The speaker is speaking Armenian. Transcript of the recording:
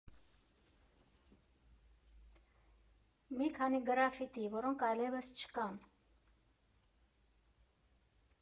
Մի քանի գրաֆիտի, որոնք այլևս չկան։